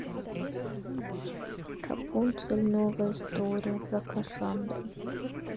рапунцель новая история про кассандру